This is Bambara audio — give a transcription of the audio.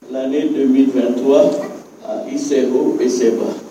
l'année 2023